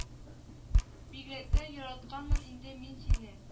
Бигрәкләр яратканмын инде мин сине